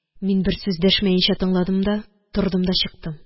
Мин бер сүз дәшмәенчә тыңладым да, тордым да чыктым